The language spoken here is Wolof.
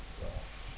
waaw